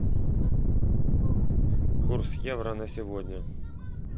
курс евро на сегодня